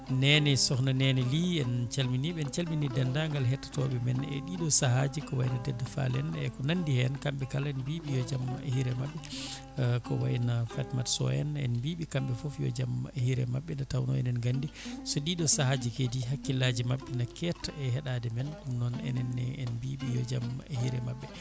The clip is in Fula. Néné Sokhna Néné Ly en calminiɓe en calmini dendagal hettotoɓe men e ɗiɗo saahaji ko Teddi Fall en e ko nandi hen kamɓe kala en mbiɓe yo jaam hiire mabɓe ko wayno Fatimata Sow en en mbiɓe kamɓe foof yo jaam hiire mabɓe nde tawno enen gandi so ɗiɗo saahaji keedi hakkillaji mabɓe ne ketta e heeɗade men ɗum noon enenne en mbiɓe yo jaam hiire mabɓe